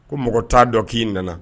Ko mɔgɔ t'a dɔn k'i nana